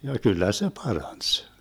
ja kyllä se paransi